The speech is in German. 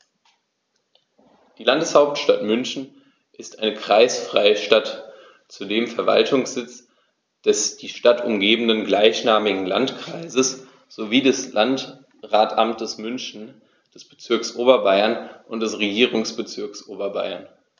Die Landeshauptstadt München ist eine kreisfreie Stadt, zudem Verwaltungssitz des die Stadt umgebenden gleichnamigen Landkreises sowie des Landratsamtes München, des Bezirks Oberbayern und des Regierungsbezirks Oberbayern.